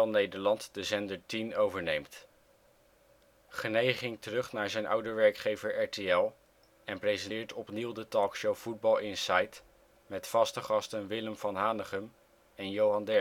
Nederland de zender Tien overneemt. Genee ging terug naar zijn oude werkgever RTL en presenteert opnieuw de talkshow Voetbal Insite, met vaste gasten Willem van Hanegem en